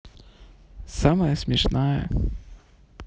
самая смешная